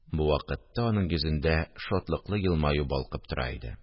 Бу вакытта аның йөзендә шатлыклы елмаю балкып тора иде